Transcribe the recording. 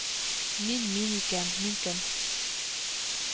Мин мин микән, мин кем